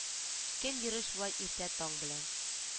Кем йөрер шулай иртә таң белән